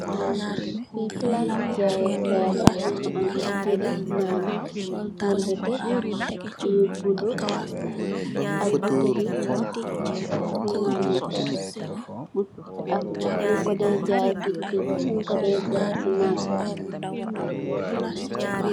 Fi palasi jayèh kay la mugii am butèèl li nan yu netteh, yu bula ak butèèl li dox xi nanee kay. Ñing ko dèy jaay ci bitik bi ñing ko dèy jaay ci marseh bi.